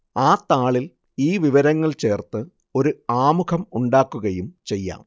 ആ താളിൽ ഈ വിവരങ്ങൾ ചേർത്ത് ഒരു ആമുഖം ഉണ്ടാക്കുകയും ചെയ്യാം